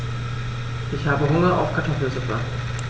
Ich habe Hunger auf Kartoffelsuppe.